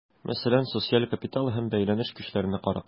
Мәсәлән, социаль капитал һәм бәйләнеш көчләренә карап.